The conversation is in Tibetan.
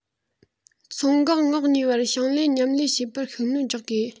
མཚོ འགག ངོགས གཉིས བར ཞིང ལས མཉམ ལས བྱེད པར ཤུགས སྣོན རྒྱག དགོས